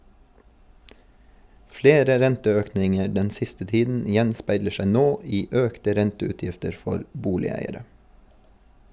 Flere renteøkninger den siste tiden gjenspeiler seg nå i økte renteutgifter for boligeiere.